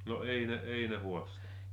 no ei ne ei ne haasta